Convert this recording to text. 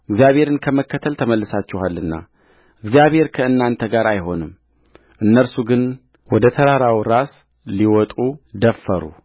እግዚአብሔርን ከመከተል ተመልሳችኋልና እግዚአብሔር ከእናንተ ጋር አይሆንምእነርሱ ግን ወደ ተራራው ራስ ሊወጡ ደፈሩ